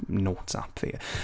Notes ap fi.